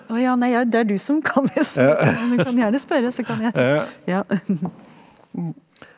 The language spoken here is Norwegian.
å ja nei jeg det er du som kan , men du kan gjerne spørre så kan jeg ja .